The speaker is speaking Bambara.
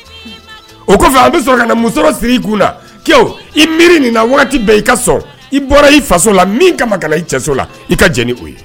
O an bɛ sɔrɔ ka muso siri i kun la i miiri na bɛɛ i ka so i bɔra i faso la i cɛ la i ka o ye